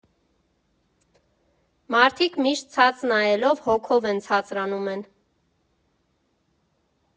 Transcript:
Մարդիկ միշտ ցած նայելով՝ հոգով են ցածրանում են…